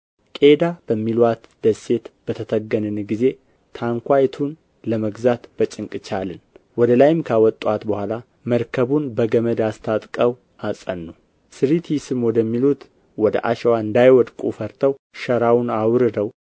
ቄዳ በሚሉአትም ደሴት በተተገንን ጊዜ ታንኳይቱን ለመግዛት በጭንቅ ቻልን ወደ ላይም ካወጡአት በኋላ መርከቡን በገመድ አስታጥቀው አጸኑ ስርቲስም ወደሚሉት ወደ አሸዋ እንዳይወድቁ ፈርተው ሸራውን አውርደው